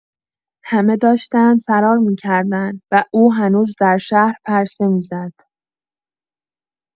همه داشتند فرار می‌کردند و او هنوز در شهر پرسه می‌زد.